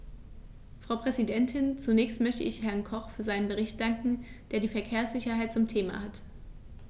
Frau Präsidentin, zunächst möchte ich Herrn Koch für seinen Bericht danken, der die Verkehrssicherheit zum Thema hat.